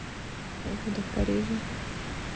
погода в париже